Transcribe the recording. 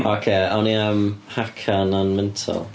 Ocê, awn ni am Haka na'n mental.